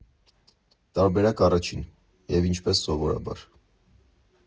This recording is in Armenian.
Տարբերական առաջին (և ինչպես սովորաբար).